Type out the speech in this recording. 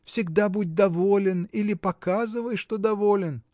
Всегда будь доволен или показывай, что доволен.